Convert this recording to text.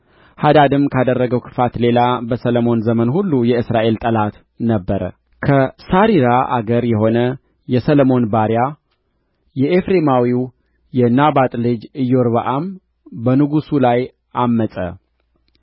ሃዳድም ካደረገው ክፋት ሌላ በሰሎሞን ዘመን ሁሉ የእስራኤል ጠላት ነበረ ከሳሪራ አገር የሆነ የሰሎሞን ባሪያ የኤፍሬማዊው የናባጥ ልጅ ኢዮርብዓም በንጉሡ ላይ ዐመፀ